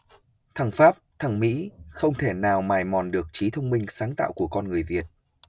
thằng pháp thằng mỹ không thể nào mài mòn được trí thông minh sáng tạo của con người việt